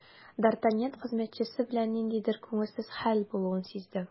Д’Артаньян хезмәтчесе белән ниндидер күңелсез хәл булуын сизде.